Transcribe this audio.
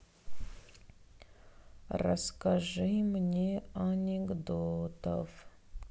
расскажи много анекдотов